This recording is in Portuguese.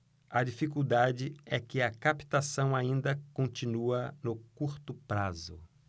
a dificuldade é que a captação ainda continua no curto prazo